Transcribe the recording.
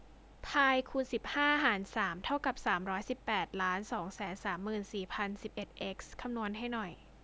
พายคูณสิบห้าหารสามเท่ากับสามร้อยสิบแปดล้านสองแสนสามหมื่นสี่พันสิบเอ็ดเอ็กซ์คำนวณให้หน่อย